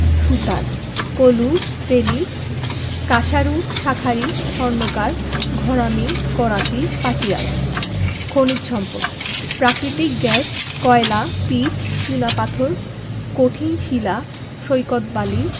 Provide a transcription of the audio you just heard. সুতার কলু তেলী কাঁসারু শাঁখারি স্বর্ণকার ঘরামি করাতি পাটিয়াল খনিজ সম্পদঃ প্রাকৃতিক গ্যাস কয়লা পিট চুনাপাথর কঠিন শিলা সৈকত বালি